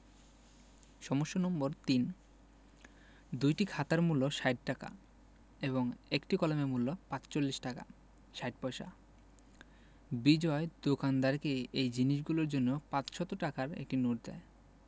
সমস্যা নম্বর ৩ দুইটি খাতার মূল্য ৬০ টাকা এবং একটি কলমের মূল্য ৪৫ টাকা ৬০ পয়সা বিজয় দোকানদারকে এই জিনিসগুলোর জন্য ৫০০ টাকার একটি নোট দেয়